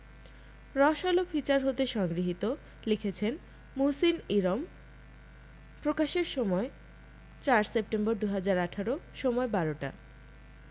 রসআলো feature হতে সংগৃহীত লিখেছেনঃ মুহসিন ইরম প্রকাশের সময়ঃ ৪ সেপ্টেম্বর ২০১৮ সময়ঃ ১২টা